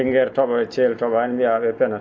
Linguére to?a Thiel to?aani mbiyaa ?e penat